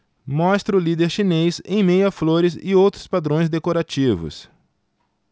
mostra o líder chinês em meio a flores e outros padrões decorativos